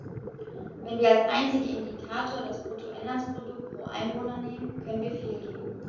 Wenn wir als einzigen Indikator das Bruttoinlandsprodukt pro Einwohner nehmen, können wir fehlgehen.